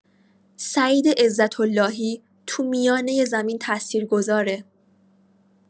سعید عزت‌اللهی تو میانه زمین تاثیرگذاره.